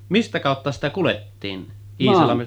Mistä kautta sitä kuljettiin Iisalmen